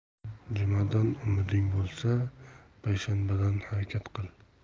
jumadan umiding bo'lsa payshanbadan harakat qil